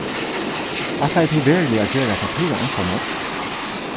ætlaði tú veruliga at gera hetta púra einsamøll